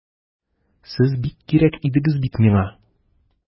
Сез бик кирәк идегез бит миңа!